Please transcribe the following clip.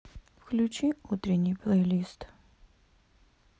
включи утренний плейлист